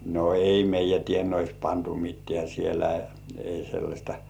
no ei meidän tienoissa pantu mitään siellä ei sellaista